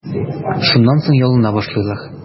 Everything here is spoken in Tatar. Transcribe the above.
Шуннан соң ялына башлыйлар.